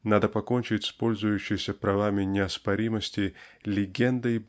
надо покончить с пользующейся правами неоспоримости легендой